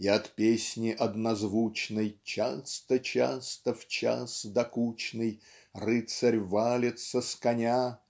И от песни однозвучной Часто-часто в час докучный Рыцарь валится с коня